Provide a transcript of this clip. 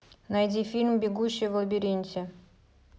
найди фильм бегущий в лабиринте